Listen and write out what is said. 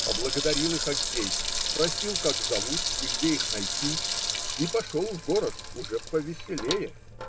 Поблагодарил их Аггей, спросил, как зовут и где их найти, и пошел в город уже повеселее.